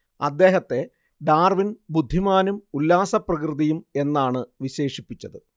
അദ്ദേഹത്തെ ഡാർവിൻ ബുദ്ധിമാനും ഉല്ലാസപ്രകൃതിയും എന്നാണ് വിശേഷിപ്പിച്ചത്